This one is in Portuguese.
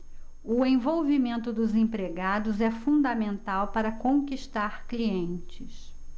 o envolvimento dos empregados é fundamental para conquistar clientes